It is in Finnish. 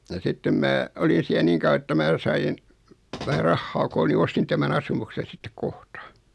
ja sitten minä olin siellä niin kauan että minä sain vähän rahaa koolle niin ostin tämän asumuksen sitten kohta